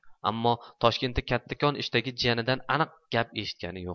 ammo toshkentda kattakon ishdagi jiyanidan aniq gap eshitgani yo'q